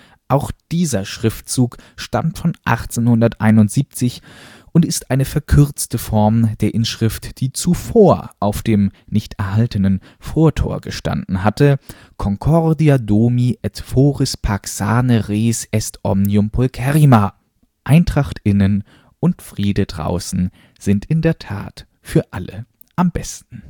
Auch dieser Schriftzug stammt von 1871 und ist eine verkürzte Form der Inschrift, die zuvor auf dem (nicht erhaltenen) Vortor gestanden hatte: Concordia domi et foris pax sane res est omnium pulcherrima (Eintracht innen und Friede draußen sind in der Tat für alle am besten